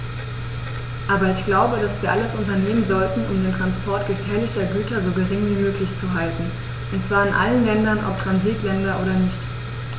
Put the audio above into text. Aber ich glaube, dass wir alles unternehmen sollten, um den Transport gefährlicher Güter so gering wie möglich zu halten, und zwar in allen Ländern, ob Transitländer oder nicht.